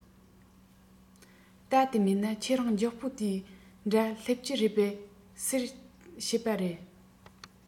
རྟ དེ མེད ན ཁྱེད རང མགྱོགས པོ དེའི འདྲ སླེབས ཀྱི རེད པས ཟེར བཤད པ རེད